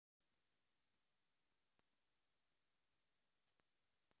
ютуб караулов